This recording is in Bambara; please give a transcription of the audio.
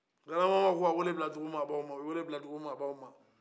grabamama ko ka wele bila dugumaabaw ma u ye wele bila dugumaabaw ma